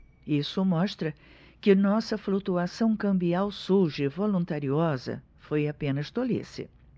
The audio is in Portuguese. isso mostra que nossa flutuação cambial suja e voluntariosa foi apenas tolice